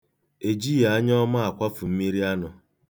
E jighị anyọọma akwafu mmiri anụ.